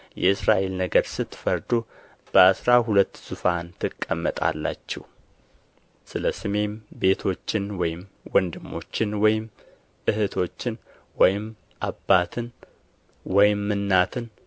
የእስራኤል ነገድ ስትፈርዱ በአሥራ ሁለት ዙፋን ትቀመጣላችሁ ስለ ስሜም ቤቶችን ወይም ወንድሞችን ወይም እኅቶችን ወይም አባትን ወይም እናትን